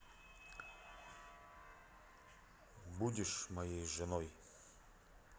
будешь моей женой